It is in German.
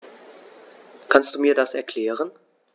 Kannst du mir das erklären?